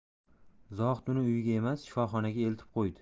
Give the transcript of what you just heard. zohid uni uyiga emas shifoxonaga eltib qo'ydi